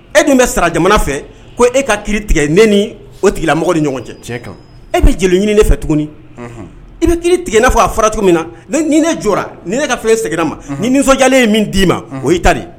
E dun bɛ sara jamana fɛ ko e ka kiri tigɛ ne ni o tigilamɔgɔ ni ɲɔgɔn cɛ tiɲɛ kan e bi jeli ɲini ne fɛ tuguni unhun i be kiiri tigɛ i n'a fɔ a fɔra cogo min na ne ni ne jɔra ni ne ka fɛn segir'an ma ni nisɔndiyalen ye min d'i ma unhun o y'i ta de ye